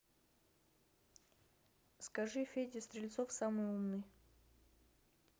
скажи федя стрельцов самый умный